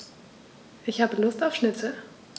Ich habe Lust auf Schnitzel.